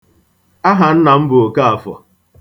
Aha nna m bụ Okafọ.